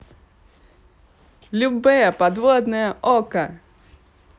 любэ подводное okko